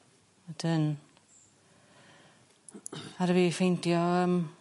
Wedyn aru fi ffeindio yym